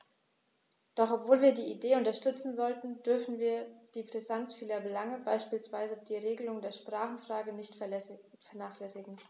Doch obwohl wir die Idee unterstützen sollten, dürfen wir die Brisanz vieler Belange, beispielsweise die Regelung der Sprachenfrage, nicht vernachlässigen.